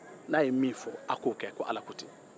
n'a ye min fɔ a' k'o kɛ ala ko ten